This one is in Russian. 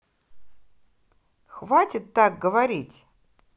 хватит так говорить